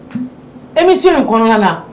Émission nin kɔnɔna la